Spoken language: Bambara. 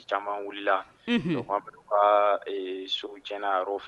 Caman wulila unhun u ka br u kaa ee sow cɛnna a yɔrɔw f